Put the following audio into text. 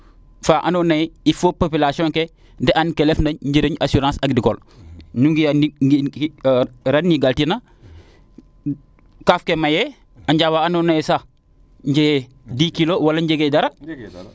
faa ando naye il faut population ke de an ke refna njiriñ assurance agricole nu nga a ne i gar tina kaaf ke mayee a njega waa ando naye sax njege dix kilo wala njege dara